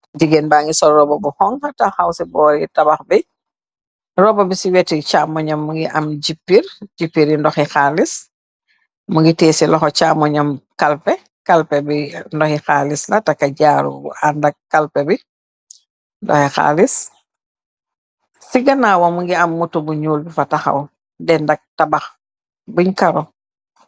Jigéen ba ngi so roba bu xonxo taxaw ci boor yi tabax bi. Roba bi ci weti càamoñam mngi am jipir, jippir yi ndoxi xaalis, mu ngi teeci loxo càmmoñam kalpe, kalpe bi ndoxi xaalis na taka jaaru bu ànda kalpe bi ,ndoxi xaalis ci ganawa mngi am mutu bu ñuul bi fa taxaw dendak tabax buñ karo.